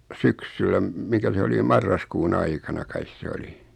syksyllä - mikä se oli jo marraskuun aikana kai se oli